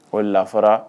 O de la a fɔra.